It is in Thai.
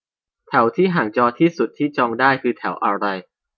แถวที่ห่างจอที่สุดที่จองได้คือแถวอะไร